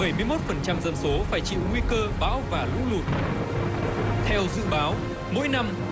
bảy mươi mốt phần trăm dân số phải chịu nguy cơ bão và lũ lụt theo dự báo mỗi năm